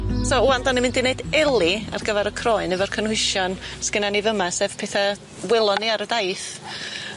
So ŵan 'dan ni mynd i neud eli ar gyfar y croen efo'r cynwysion sgennan ni fy' 'ma sef pethe welon ni ar y daith.